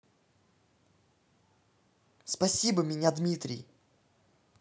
спасибо меня дмитрий